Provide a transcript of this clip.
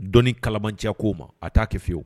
Dɔni kalabanciya kow ma a t'a kɛ fiyewu.